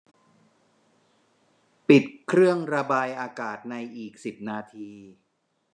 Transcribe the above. ปิดเครื่องระบายอากาศในอีกสิบนาที